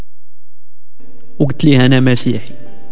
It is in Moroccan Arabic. انا مسيحي